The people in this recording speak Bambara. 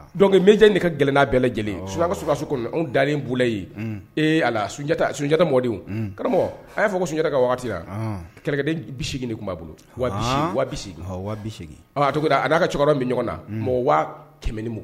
Dɔnkuke mi nin ka gɛlɛnna bɛɛ lajɛlen sunjataka ka sokɛkaso kɔnɔ anw dalen bolola yen ee a sunjata sunjata mɔdidenw karamɔgɔ a y'a fɔ ko sunjatada ka waati wagati la kɛlɛkɛden nin tun b'a bolose a to a' ka cɛkɔrɔba min ɲɔgɔn na mɔgɔ waa kɛmɛ ni mun